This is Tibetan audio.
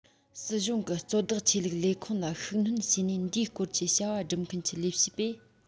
སྲིད གཞུང གི གཙོ བདག ཆོས ལུགས ལས ཁུངས ལ ཤུགས སྣོན བྱས ནས འདིའི སྐོར གྱི བྱ བ སྒྲུབ མཁན གྱི ལས བྱེད པས